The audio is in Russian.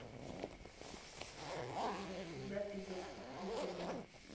когда придет посылка мне